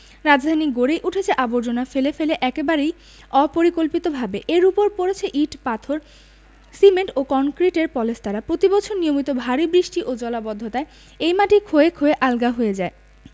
রাজধানী গড়েই উঠেছে আবর্জনা ফেলে ফেলে একেবারেই অপরিকল্পিতভাবে এর ওপর পড়েছে ইট পাথর সিমেন্ট ও কংক্রিটের পলেস্তারা প্রতিবছর নিয়মিত ভারি বৃষ্টি ও জলাবদ্ধতায় এই মাটি ক্ষয়ে ক্ষয়ে আলগা হয়ে যায়